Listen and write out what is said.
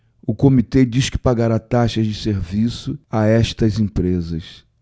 o comitê diz que pagará taxas de serviço a estas empresas